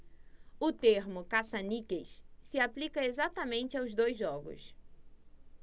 o termo caça-níqueis se aplica exatamente aos dois jogos